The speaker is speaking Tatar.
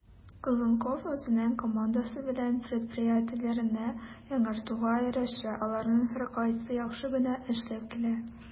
Козонков үзенең командасы белән предприятиеләрне яңартуга ирешә, аларның һәркайсы яхшы гына эшләп килә: